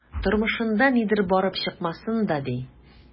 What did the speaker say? Тормышында нидер барып чыкмасын да, ди...